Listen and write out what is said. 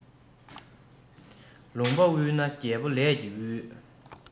ལུང པ དབུལ ན རྒྱལ པོ ལས ཀྱིས དབུལ